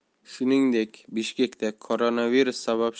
shuningdek bishkekda koronavirus sabab